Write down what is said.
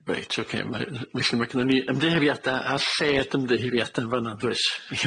Reit ocê mae yyyfelly ma' gynnon ni ymdeheuriada ar lled ymdeheuriada yn fan'na yndoes? iawn